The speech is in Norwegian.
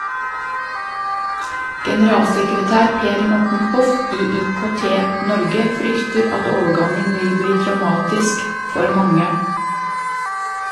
Generalsekretær Per Morten Hoff i IKT-Norge frykter at overgangen vil bli traumatisk for mange.